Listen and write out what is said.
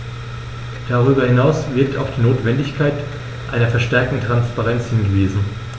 Darüber hinaus wird auf die Notwendigkeit einer verstärkten Transparenz hingewiesen.